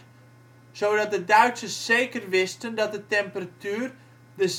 zodat de Duitsers zeker wisten dat de temperatuur de